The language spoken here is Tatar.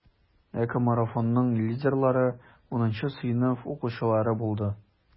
ЭКОмарафонның лидерлары 10 сыйныф укучылары булды.